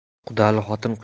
qudali xotin quyruq